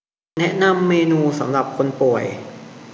แนะนำเมนูสำหรับคนป่วย